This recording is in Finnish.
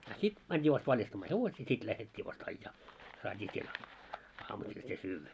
a sitten mentiin vasta valjastamaan hevosia sitten lähdettiin vasta ajaa saatiin siellä aamusilla se syödä